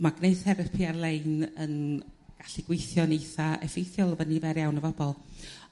ma' gwneu' therapi ar-lein yn gallu gweithio'n eitha' effeithiol efo nifer iawn o fobol